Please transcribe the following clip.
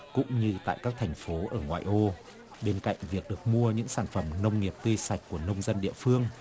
cũng như tại các thành phố ở ngoại ô bên cạnh việc được mua những sản phẩm nông nghiệp tươi sạch của nông dân địa phương